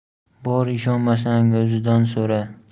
bor ishonmasang o'zidan so'ra